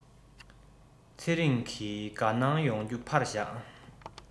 ཚེ རིང ནི དགའ སྣང ཡོང རྒྱུ ཕར བཞག